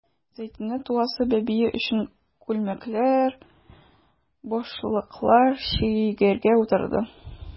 Зәйтүнә туасы бәбие өчен күлмәкләр, башлыклар чигәргә утырды.